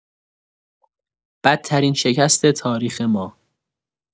بدترین شکست تاریخ ما